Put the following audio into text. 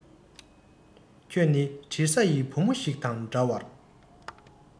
ཁྱེད ནི དྲི ཟ ཡི བུ མོ ཞིག དང འདྲ བར